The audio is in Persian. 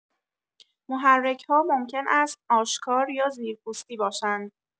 محرک‌ها ممکن است آشکار یا زیرپوستی باشند.